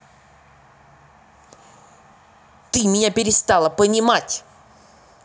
ты меня перестала понимать